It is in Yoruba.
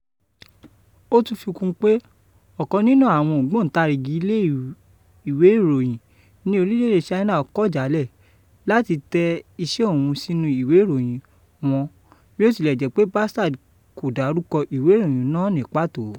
Ó tún fikún un pé ọ̀kan nínú àwọn ògbóntarìgì ilé ìwé ìròyìn ní orílẹ̀èdè China kọ̀ jálẹ̀ láti tẹ iṣẹ́ òun sínú ìwé ìròyìn wọn bí ó tilẹ̀ jẹ́ pé Branstad kò dárúkọ ìwé ìròyìn náà ní pàtó.